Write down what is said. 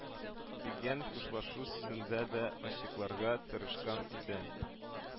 Дигән хушлашу сүзендә дә ачыкларга тырышкан идем